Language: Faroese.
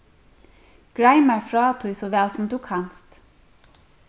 greið mær frá tí so væl sum tú kanst